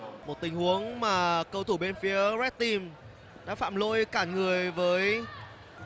một tình huống mà cầu thủ bên phía rét tim đã phạm lỗi cản người với